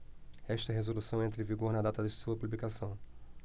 esta resolução entra em vigor na data de sua publicação